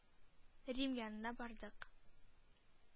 Рим янына бардык.